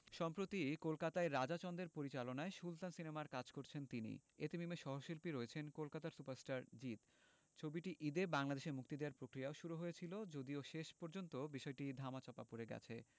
সম্প্রতি কলকাতায় রাজা চন্দের পরিচালনায় সুলতান সিনেমার কাজ করেছেন তিনি এতে মিমের সহশিল্পী রয়েছেন কলকাতার সুপারস্টার জিৎ ছবিটি ঈদে বাংলাদেশে মুক্তি দেয়ার প্রক্রিয়াও শুরু হয়েছিল যদিও শেষ পর্যন্ত বিষয়টি ধামাচাপা পড়ে গেছে